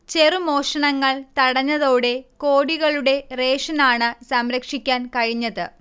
ചെറുമോഷണങ്ങൾ തടഞ്ഞതോടെ കോടികളുടെ റേഷനാണ് സംരക്ഷിക്കാൻ കഴിഞ്ഞത്